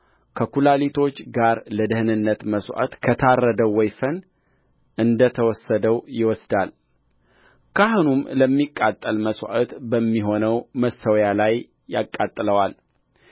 ከኵላሊቶች ጋርለደኅንነት መሥዋዕት ከታረደው ወይፈን እንደ ተወሰደው ይወስዳል ካህኑም ለሚቃጠል መሥዋዕት በሚሆነው መሠዊያ ላይ ያቃጥለዋል